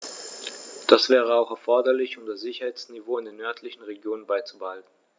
Das wäre auch erforderlich, um das Sicherheitsniveau in den nördlichen Regionen beizubehalten.